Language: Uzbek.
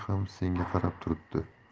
ham senga qarab turibdi